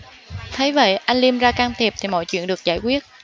thấy vậy anh liêm ra can thiệp thì mọi chuyện được giải quyết